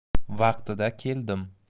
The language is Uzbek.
vaqtida keldim